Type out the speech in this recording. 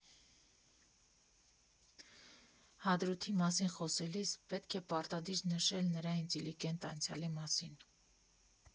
Հադրութի մասին խոսելիս պետք է պարտադիր նշել նրա ինտիլիգենտ անցյալի մասին։